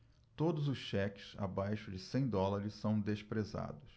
todos os cheques abaixo de cem dólares são desprezados